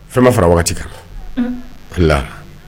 Fɛn ma fara wagati kan la